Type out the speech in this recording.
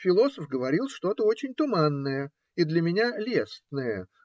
Философ говорил что-то очень туманное и для меня лестное